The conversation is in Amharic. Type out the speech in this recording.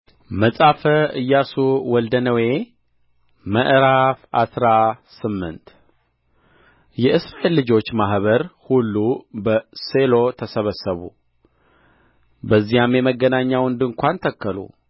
መጽሐፈ ኢያሱ ወልደ ነዌ ምዕራፍ አስራ ስምንት የእስራኤል ልጆች ማኅበር ሁሉ በሴሎ ተሰበሰቡ በዚያም የመገናኛውን ድንኳን ተከሉ